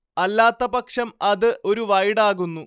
അല്ലാത്തപക്ഷം അത് ഒരു വൈഡാകുന്നു